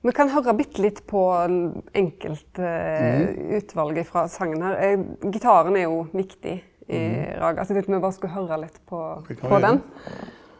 me kan høyra bitte litt på enkelte utval ifrå songen her, gitaren er jo viktig i Raga så eg tenkte me berre skulle høyra litt på på den.